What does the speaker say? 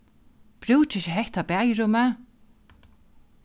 brúkið ikki hetta baðirúmið